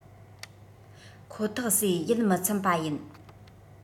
ཁོ ཐག ཟས ཡིད མི ཚིམ པ ཡིན